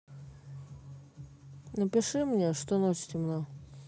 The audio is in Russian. напиши мне что ночь темна